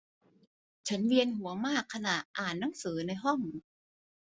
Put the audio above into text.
ฉันเวียนหัวมากขณะอ่านหนังสือในห้อง